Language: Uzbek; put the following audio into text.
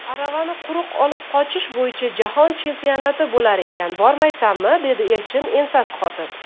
aravani quruq olib qochish bo'yicha jahon chempionati bo'lar ekan bormaysanmi dedi elchin ensasi qotib